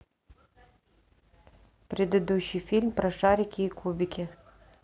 предыдущий фильм про шарики и кубики